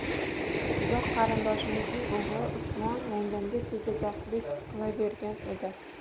uzoq qarindoshimizning o'g'li usmon yangamga tegajoqlik qilavergan edi